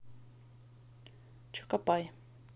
чоко пай